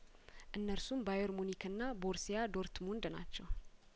እነርሱም ባየር ሙኒክና ቦር ሲያዶርትሙንድ ናቸው